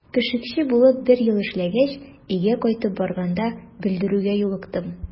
Пешекче булып бер ел эшләгәч, өйгә кайтып барганда белдерүгә юлыктым.